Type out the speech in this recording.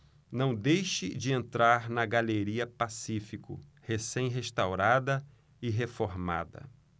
não deixe de entrar na galeria pacífico recém restaurada e reformada